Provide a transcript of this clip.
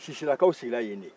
siselakaw sigira yen de